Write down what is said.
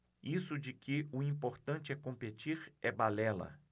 isso de que o importante é competir é balela